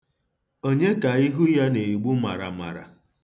Onye ka ihu ya na-egbu maramara?